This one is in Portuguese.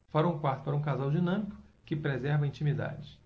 farão um quarto para um casal dinâmico que preserva a intimidade